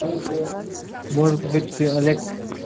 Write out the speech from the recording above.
может быть ты олег